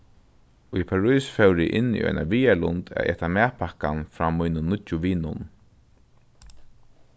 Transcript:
í parís fór eg inn í eina viðarlund at eta matpakkan frá mínum nýggju vinum